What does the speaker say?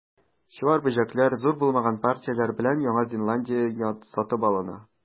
Чуар бөҗәкләр, зур булмаган партияләр белән, Яңа Зеландиядә сатып алына.